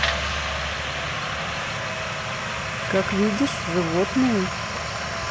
как видишь животные